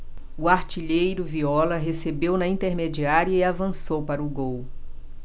o artilheiro viola recebeu na intermediária e avançou para o gol